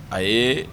A ye